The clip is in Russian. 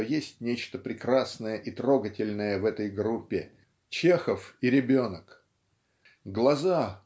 что есть нечто прекрасное и трогательное в этой группе Чехов и ребенок. Глаза